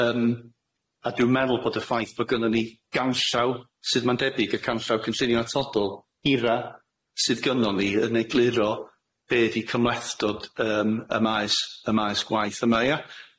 Yym a dwi'n meddwl bod y ffaith bo' gynnon ni ganllaw sydd ma'n debyg y canllaw cynllunio atodol hira sydd gynnon ni yn egluro be' di cymhlethdod yym y maes y maes gwaith yma ia?